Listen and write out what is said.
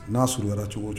N'a sɔrɔurunra cogo jɔ